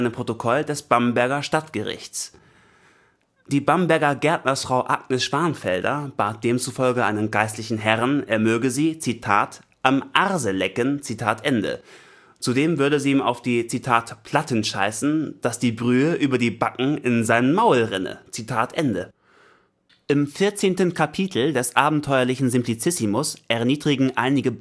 Protokoll des Bamberger Stadtgerichts. Die Bamberger Gärtnersfrau Agnes Schwanfelder bat demzufolge einen geistlichen Herrn, er möge sie „ am Arse lecken “, zudem würde sie ihm auf die „ Platten scheißen “, dass die „ Brühe über die Backen in sein Maul rinne “. Im 14. Kapitel des abenteuerlichen Simplicissimus erniedrigen einige